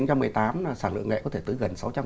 trăm mười tám là sản lượng nghệ có thể tới gần sáu trăm